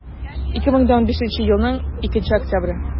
2015 елның 2 октябре